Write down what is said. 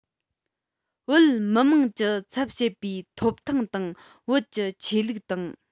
བོད མི དམངས ཀྱི ཚབ བྱེད པའི ཐོབ ཐང དང བོད ཀྱི ཆོས ལུགས དང